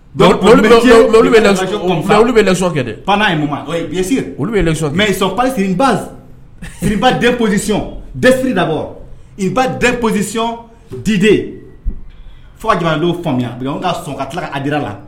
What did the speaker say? Don olu bɛ olu bɛ lac kɛ pa n' yesi olu bɛc mɛ sɔ pasi baz hba dɛ posiy desiri labɔ i ba dɛ pɔsiy diden fo jira'o faamuya n ka sɔn ka tila adra la